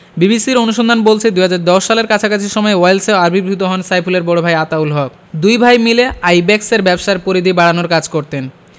বিবিসির অনুসন্ধান বলছে ২০১০ সালের কাছাকাছি সময়ে ওয়েলসে আবির্ভূত হন সাইফুলের বড় ভাই আতাউল হক দুই ভাই মিলে আইব্যাকসের ব্যবসার পরিধি বাড়ানোর কাজ করতেন